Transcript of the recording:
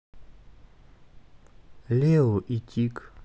лео и тиг